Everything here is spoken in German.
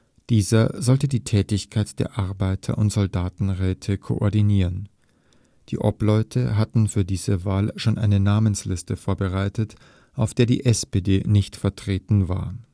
Dieser sollte die Tätigkeit der Arbeiter - und Soldatenräte koordinieren. Die Obleute hatten für diese Wahl schon eine Namensliste vorbereitet, auf der die SPD nicht vertreten war